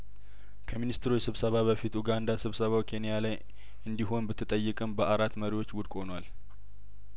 ከሚኒስትሮች ስብሰባ በፊት ኡጋንዳ ስብሰባው ኬንያላይእንዲሆን ብት ጠይቅም በአራት መሪዎች ውድቅ ሆኗል